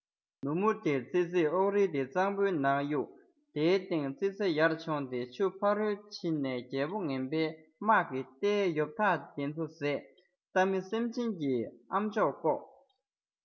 ནུབ མོ དེར ཙི ཙིས ཨོག རིལ རེ གཙང པོའི ནང གཡུག དེའི སྟེང ཙི ཙི རང མཆོངས ཏེ ཆུ ཕ རོལ དུ ཕྱིན ནས རྒྱལ པོ ངན པའི དམག གི རྟའི ཡོབ ཐག དེ ཚོ ཟས རྟ མི སེམས ཅན གྱི ཨམ ཅོག བཀོག